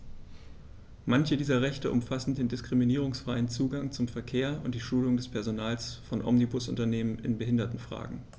Manche dieser Rechte umfassen den diskriminierungsfreien Zugang zum Verkehr und die Schulung des Personals von Omnibusunternehmen in Behindertenfragen.